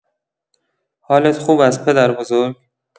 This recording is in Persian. حالت خوب است پدربزرگ؟!